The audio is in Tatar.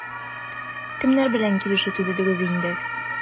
Кемнәр белән килешү төзедегез инде?